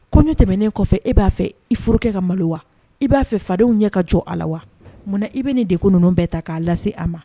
Kɔɲɔ tɛmɛnen kɔfɛ e b'a fɛ i furu cɛ ka malo wa? I b'a fɛ fadenw ɲɛ ka jɔ a la wa? Munna i bɛ nin dekun ninnu bɛɛ ta k'a lase a ma?